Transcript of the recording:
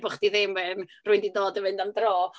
Bo' chdi ddim yn rywun 'di dod i fynd am dro.